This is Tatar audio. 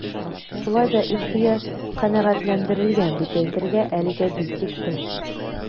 Шулай да ихтыяҗ канәгатьләндерелгән дип әйтергә әлегә бик иртә.